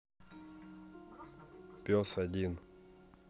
пес один